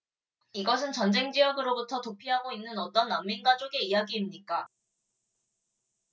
이것은 전쟁 지역으로부터 도피하고 있는 어떤 난민 가족의 이야기입니까